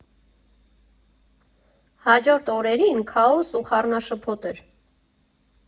Հաջորդ օրերին քաոս ու խառնաշփոթ էր։